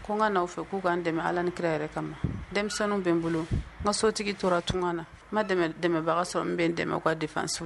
Ko n ka n'aw fɛ k'u k ka dɛmɛ ala ni kira yɛrɛ kama denmisɛnninw bɛ n bolo n ka sotigi tora tun na n ma dɛmɛ dɛmɛbaga sɔrɔ n bɛ dɛmɛ k ka defa segu